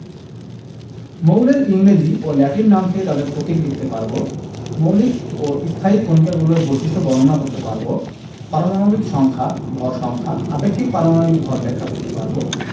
মৌলের ইংরেজি ও ল্যাটিন নাম থেকে তাদের প্রতীক লিখতে পারব মৌলিক ও স্থায়ী কণিকাগুলোর বৈশিষ্ট্য বর্ণনা করতে পারব পারমাণবিক সংখ্যা ভর সংখ্যা আপেক্ষিক পারমাণবিক ভর ব্যাখ্যা করতে পারব